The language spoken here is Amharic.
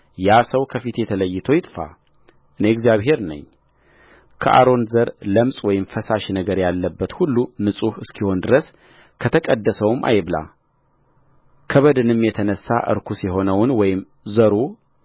ያ ሰው ከፊቴ ተለይቶ ይጥፋ እኔ እግዚአብሔር ነኝከአሮን ዘር ለምጽ ወይም ፈሳሽ ነገር ያለበት ሁሉ ንጹሕ እስኪሆን ድረስ ከተቀደሰው አይብላ ከበድንም የተነሣ ርኩስ የሆነውን ወይም ዘሩ